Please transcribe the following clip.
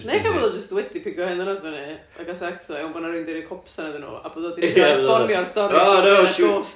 neu ella bod o jyst wedi pico hen ddynas fyny a gael sex efo hi ond bod 'na rywun wedi rhoi copsan iddyn nhw a bod o 'di cael ei transfformio yn stori ghost